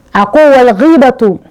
A ko wa ha bɛ to